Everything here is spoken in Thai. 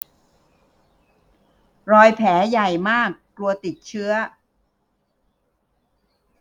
รอยแผลใหญ่มากกลัวติดเชื้อ